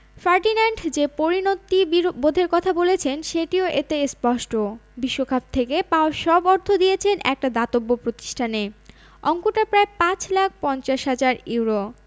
Ferdinand যে পরিণতিবোধের কথা বলেছেন সেটিও এতে স্পষ্ট বিশ্বকাপ থেকে পাওয়া সব অর্থ দিয়ে দিয়েছেন একটা দাতব্য প্রতিষ্ঠানে অঙ্কটা প্রায় ৫ লাখ ৫০ হাজার ইউরো